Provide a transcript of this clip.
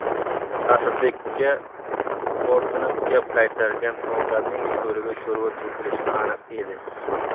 asadbekka botinib gap qaytargan odamning sho'riga sho'rva to'kilishi aniq edi